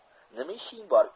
nima ishing bor